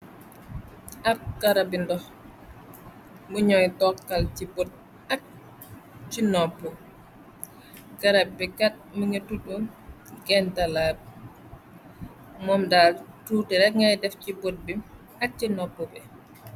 Ab garabi ndox buñooy toxal ci bot ak ci noppu, garab bi kat mungi tudu genntalaab, moom daal tuute rek ngay def ci bot bi ak ci noppu bi.